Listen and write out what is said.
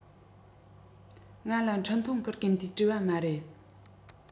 ང ལ འཕྲིན ཐུང བསྐུར མཁན དེས བྲིས པ མ རེད